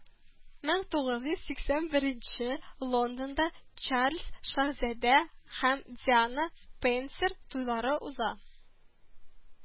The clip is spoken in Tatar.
Мең тугыз йөз сиксән беренче лондонда чарльз шаһзадә һәм диана спенсер туйлары уза